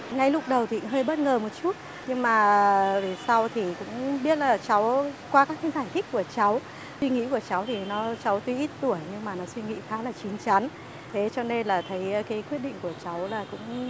ngay lúc đầu thì hơi bất ngờ một chút nhưng mà sau thì cũng biết là cháu qua các cái giải thích của cháu suy nghĩ của cháu thì nó cháu tuy ít tuổi nhưng mà nó suy nghĩ khá chín chắn thế cho nên là thấy cái quyết định của cháu là cũng